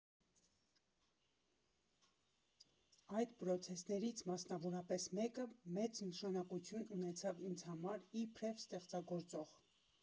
Այդ պրոցեսներից մասնավորապես մեկը մեծ նշանակություն ունեցավ ինձ համար իբրև ստեղծագործող։